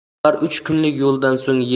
ular uch kunlik yo'ldan so'ng